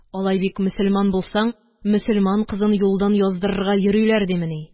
Алай бик мөселман булсаң, мөселман кызын юлдан яздырырга йөриләр димени?